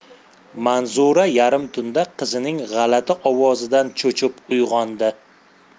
manzura yarim tunda qizining g'alati ovozidan cho'chib uyg'ondi